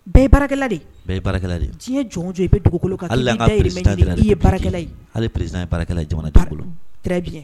Tiɲɛ jɔn jɔ i bɛ dugukolo ye ye bara jamana